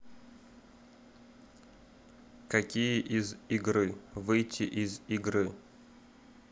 какие из игры выйти из игры